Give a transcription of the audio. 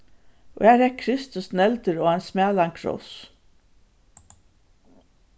og har hekk kristus negldur á ein smalan kross